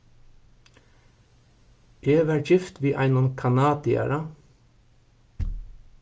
eg varð gift við einum kanadiara